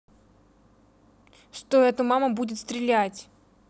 стой а то мама будет стрелять